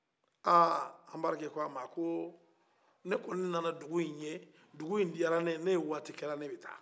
aa anbarike ko a ma ko ne kɔni nana dugu ye dudu duyara ne ye ne bɛ waati kɛ ne bɛ taa